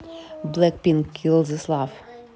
blackpink kill this love